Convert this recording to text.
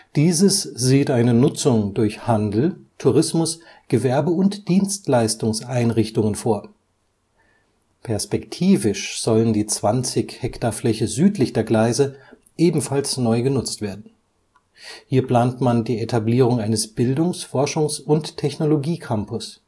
Dieses sieht eine Nutzung durch Handel, Tourismus -, Gewerbe - und Dienstleistungseinrichtungen vor. Perspektivisch sollen die 20 Hektar Fläche südlich der Gleise ebenfalls neu genutzt werden. Hier plant man die Etablierung eines Bildungs -, Forschungs - und Technologiecampus